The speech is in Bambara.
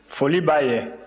foli b'a ye